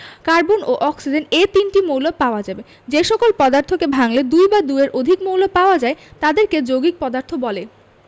carbon ও oxygen এ তিনটি মৌল পাওয়া যাবে যে সকল পদার্থকে ভাঙলে দুই বা দুইয়ের অধিক মৌল পাওয়া যায় তাদেরকে যৌগিক পদার্থ বলে